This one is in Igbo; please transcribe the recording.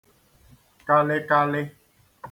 kalịkalị